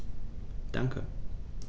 Danke.